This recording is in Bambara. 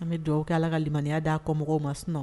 An be duwawu kɛ Ala ka limaniya d'a kɔmɔgɔw ma sinon